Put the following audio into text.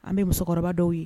An bɛ musokɔrɔba dɔw ye